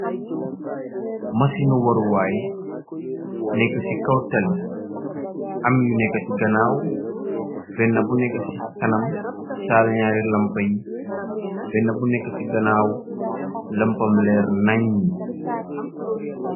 Masinu waruwaay nekk ci kaw tali am yu nekk ci ganaaw benna bu nekk ci kanam taal ñyaari lampa yi benn bu nekk ci ganaaw lampamleer nañ ñi.